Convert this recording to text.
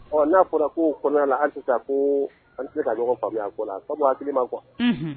Ɔ n'a fɔra ko kɔnɔna la hali sisan ko an tɛ se ka ɲɔgɔn faamuya a ko la, a ka bon hakili ma quoi